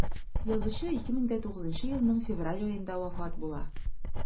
Язучы 2009 елның февраль аенда вафат була.